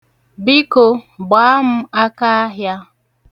Biko gbaa m akaahịa.